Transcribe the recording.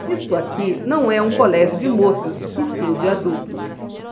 isto aqui não é um colégio de moças e sim de adultos